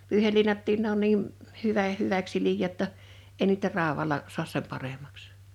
pyyheliinatkin ne on niin hyvä hyväksi siliää jotta ei niitä raudalla saa sen paremmaksi